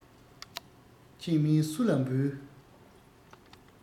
ཁྱེད མིན སུ ལ འབུལ